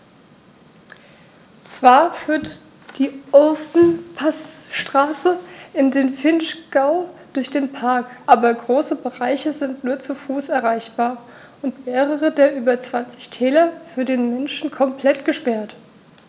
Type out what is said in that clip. Zwar führt die Ofenpassstraße in den Vinschgau durch den Park, aber große Bereiche sind nur zu Fuß erreichbar und mehrere der über 20 Täler für den Menschen komplett gesperrt.